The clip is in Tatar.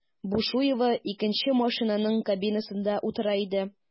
Бушуева икенче машинаның кабинасында утыра иде.